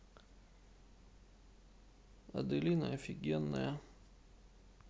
аделина офигенная